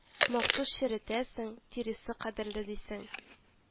Махсус черетәсең, тиресе кадерле дисең